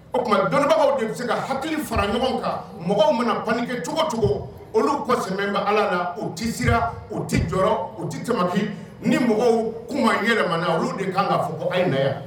O tuma dɔnnibagaw de bɛ se ka hakili fara ɲɔgɔn kan mɔgɔw bɛna ban kɛ cogocogo olu ka sigilen bɛ ala la u tɛ sira u tɛ jɔ u tɛ cɛman ni mɔgɔw kun yɛlɛmana olu de kan ka fɔ ko ayi in na